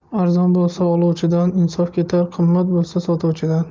arzon bo'lsa oluvchidan insof ketar qimmat bo'lsa sotuvchidan